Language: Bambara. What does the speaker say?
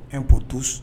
E ko to